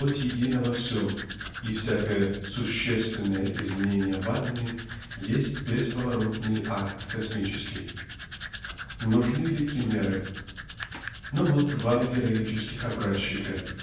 плоть едина во всем и всякое существенное изменение в атоме есть бесповоротный акт космический. Нужны ли примеры? Но вот два героических образчика.